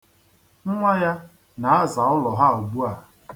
Nnwa ya na-aza ụlọ ha ugbua.